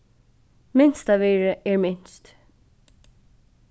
minstavirðið er minst